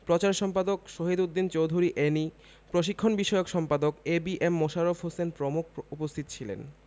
প্রচার সম্পাদক শহীদ উদ্দিন চৌধুরী এ্যানি প্রশিক্ষণ বিষয়ক সম্পাদক A B M Mosharraf Hossain প্রমুখ উপস্থিত ছিলেন